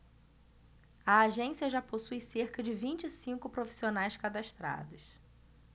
a agência já possui cerca de vinte e cinco profissionais cadastrados